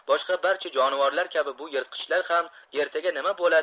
boshqa barcha jonivorlar kabi bu yirtqichlar ham ertaga nima bo'ladi